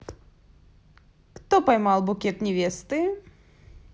кто поймал букет невесты